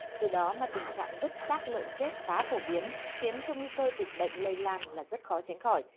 từ đó mà tình trạng vứt xác lợn chết khá phổ biến khiến cho nguy cơ dịch bệnh lây lan là rất khó tránh khỏi